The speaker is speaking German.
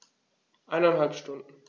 Eineinhalb Stunden